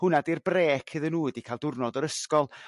hwnna 'dy'r brêc iddyn nhw ydy ca'l diwrnod o'r ysgol.